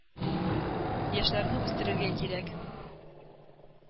Яшьләрне үстерергә кирәк.